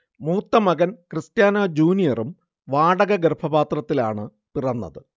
മൂത്ത മകൻ ക്രിസ്റ്റ്യാനൊ ജൂനിയറും വാടക ഗർഭപാത്രത്തിലാണ് പിറന്നത്